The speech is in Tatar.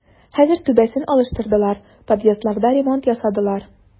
Хәзер түбәсен алыштырдылар, подъездларда ремонт ясадылар.